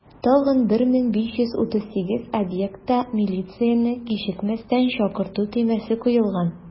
Тагын 1538 объектта милицияне кичекмәстән чакырту төймәсе куелган.